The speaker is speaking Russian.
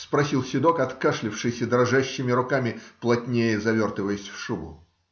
- спросил седок, откашлявшись и дрожащими руками плотнее завертываясь в шубу.